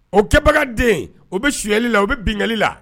O kɛbagaden o bɛ suyali la o bɛ bingali la.